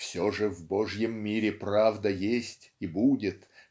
"все же в Божьем мире правда есть и будет